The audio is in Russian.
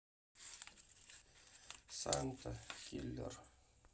санта киллер